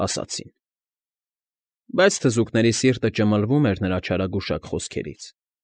Ասացին։ Բայց թզուկների սիրտը ճմլվում էր նրա չարագուշակ խոսքերից։